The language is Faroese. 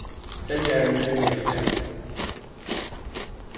seljarin kemur í dag